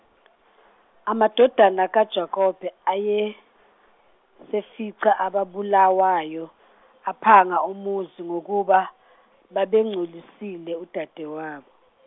amadodana kaJakobe ayesefica ababuleweyo, aphanga umuzi ngokuba, babengcolisile udadewabo.